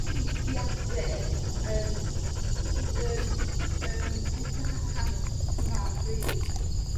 paentiade yym sydd yn yn edrych ar hanes Cymra'g rili.